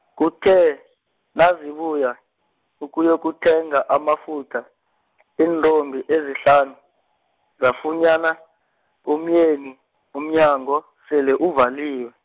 kuthe nazibuya, ukuyokuthenga amafutha , iintombi ezihlanu, zafunyana umyeni, umnyango sele uvaliwe.